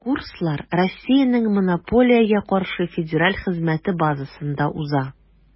Курслар Россиянең Монополиягә каршы федераль хезмәте базасында уза.